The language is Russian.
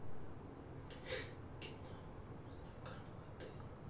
кино стакан воды